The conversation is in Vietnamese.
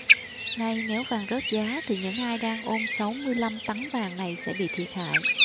nay nếu vàng rớt giá thì những ai đang ôm sáu mươi lăm tấn vàng này sẽ bị thiệt hại